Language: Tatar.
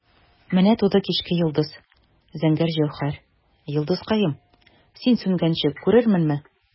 Менә туды кичке йолдыз, зәңгәр җәүһәр, йолдызкаем, син сүнгәнче күрерменме?